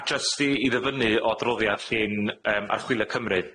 A- a- jyst i i ddyfynnu o adroddiad gin yym archwilio Cymru.